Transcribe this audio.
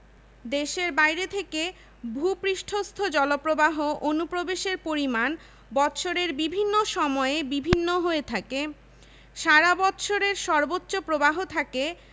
১৩টি বিদেশী ব্যাংক রাষ্ট্রীয় মালিকানার ৫টি বিশেষায়িত আর্থিক প্রতিষ্ঠান রয়েছে যেগুলো উন্নয়ন অর্থসংস্থান প্রতিষ্ঠান হিসেবে পরিচিত এছাড়াও রয়েছে ২৩টি অব্যাংকিং আর্থিক প্রতিষ্ঠান